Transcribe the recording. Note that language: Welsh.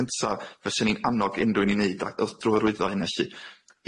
cynta fyswn i'n annog unrhyw un i neud a- wrth drwyrwyddo hynna lly.